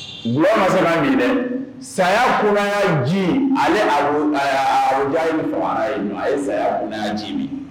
Dɔlɔ ma min dɛ saya kunya ji ale ye a ye saya kuna ji min